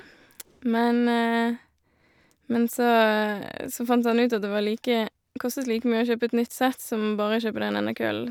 men Men så så fant han ut at det var like kostet like mye å kjøpe et nytt sett som bare å kjøpe den ene køllen.